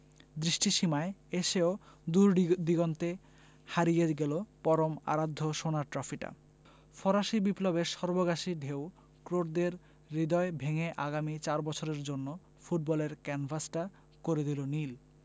দৃষ্টিসীমায় এসেও দূরদিগন্তে হারিয়ে গেল পরম আরাধ্য সোনার ট্রফিটা ফরাসি বিপ্লবের সর্বগ্রাসী ঢেউ ক্রোটদের হৃদয় ভেঙে আগামী চার বছরের জন্য ফুটবলের ক্যানভাসটা করে দিল নীল